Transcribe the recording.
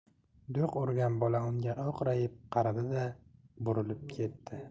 do'q urgan bola unga o'qrayib qaradi da burilib ketdi